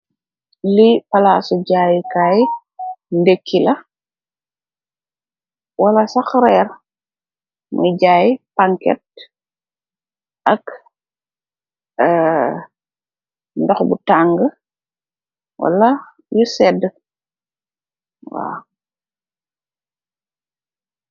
Lii palaas yu jààyé kaay ndëkë kaay, walla sax réér. Muy jaay pañgket ak ndox bu tangë walla ndox bu séédë.